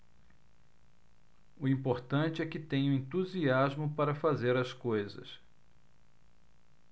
o importante é que tenho entusiasmo para fazer as coisas